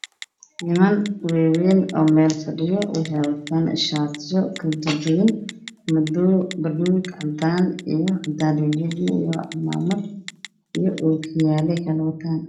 Waa ninman waa weyn oo meel fadhiyo